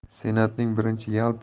senatning birinchi yalpi